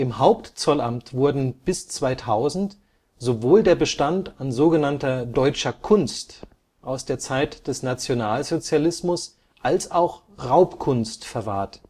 Hauptzollamt wurden bis 2000 sowohl der Bestand an so genannter Deutscher Kunst aus der Zeit des Nationalsozialismus als auch Raubkunst verwahrt